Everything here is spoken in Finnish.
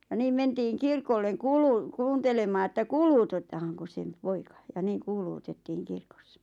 ja niin mentiin kirkolle - kuuntelemaan että kuulutetaankos sen poika ja niin kuulutettiin kirkossa